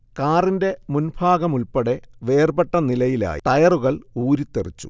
കാറിന്റെ മുൻഭാഗം ഉൾപ്പടെ വേർപെട്ട നിലയിലായി ടയറുകൾ ഊരിത്തെറിച്ചു